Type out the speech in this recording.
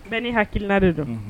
Bɛɛ n'i hakilina de dɔn, unhun